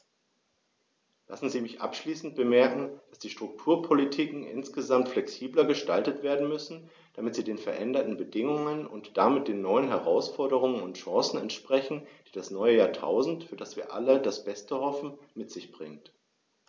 Lassen Sie mich abschließend anmerken, dass die Strukturpolitiken insgesamt flexibler gestaltet werden müssen, damit sie den veränderten Bedingungen und damit den neuen Herausforderungen und Chancen entsprechen, die das neue Jahrtausend, für das wir alle das Beste hoffen, mit sich bringt.